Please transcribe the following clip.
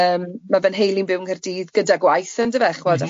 Yym ma fy nheulu'n byw yng Nghaerdydd gyda gwaith yndyfe chibod... M-hm.